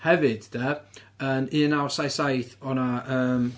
Hefyd, de, yn un naw saith saith, oedd 'na yym...